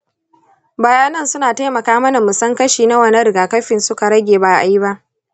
bayanan suna taimaka mana mu san kashi nawa na rigakafin ne suka rage ba a yi ba.